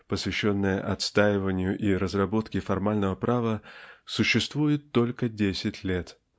посвященная отстаиванию и разработке формального права существует только десять лет.